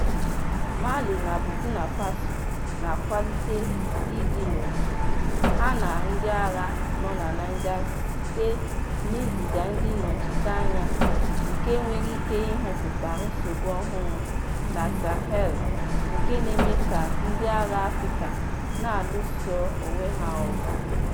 Mali na Burkina Faso na-akwalite ịdị n'otu ha na ndịagha nọ na Niger site n'iziga ndị nnọchiteanya, nke nwere ike ịhụpụta nsogbu ọhụrụ na Sahel nke na-eme ka ndịagha Afrịka na-alụso onwe ha ọgụ.